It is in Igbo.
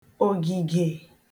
ògìgè